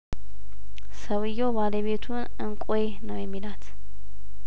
ሰውዬው ባለቤቱን እንቋ ነው የሚላት